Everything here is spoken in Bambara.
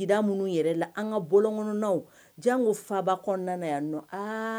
'da minnu yɛrɛ la an ka bɔ kɔnɔna jan ko faba kɔn yan nɔ